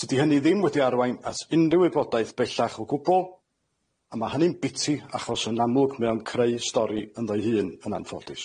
Tydi hynny ddim wedi arwain at unryw wybodaeth bellach o gwbwl, a ma' hynny'n biti achos yn amlwg mae o'n creu stori ynddo 'i hun, yn anffodus.